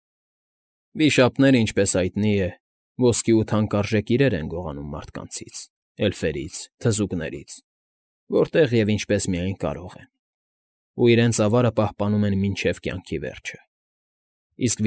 Վիշապները, ինչպես հայտնի է, ոսկի ու թանկարժեք իրեր են գողանում մարդկանցից, էլֆերից, թզուկներից, որտեղ և ինչպես միայն կարող են, ու իրենց ավարտը պահպանում են մինչև կյանքի վերջը (իսկ։